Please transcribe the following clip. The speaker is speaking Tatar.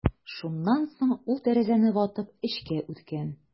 Шуннан соң ул тәрәзәне ватып эчкә үткән.